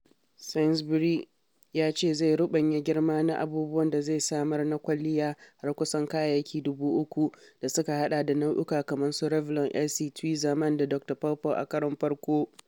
Sainsbury’s ya ce zai ruɓanya girma na abubuwan da zai samar na kwalliya har kusan kayayyaki 3,000, da suka haɗa da nau’uka kamar su Revlon, Essie, Tweezerman da Dokta PawPaw a karon farko.